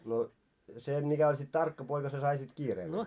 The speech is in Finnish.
no se mikä oli sitten tarkka poika se sai sitten kiireempää